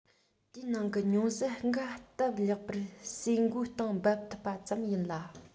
དེའི ནང གི ཉུང ཟད འགའ སྟབས ལེགས པར ཟེ མགོའི སྟེང འབབ ཐུབ པ ཙམ ཡིན ལ